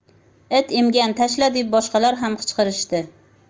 it emgan tashla deb boshqalar ham qichqirishdi